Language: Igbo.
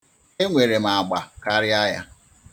E nwere m agba karịa ya.